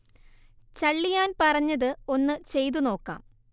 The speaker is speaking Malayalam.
ചള്ളിയാൻ പറഞ്ഞത് ഒന്ന് ചെയ്തു നോക്കാം